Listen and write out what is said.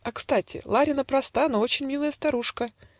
А кстати: Ларина проста, Но очень милая старушка